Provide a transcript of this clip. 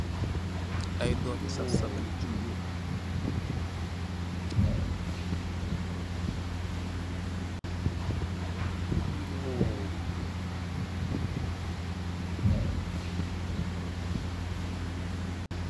Yai dommi saf safali jumbó.